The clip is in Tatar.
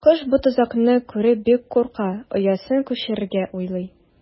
Кош бу тозакны күреп бик курка, оясын күчерергә уйлый.